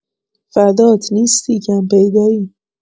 فدات نیستی کم پیدایی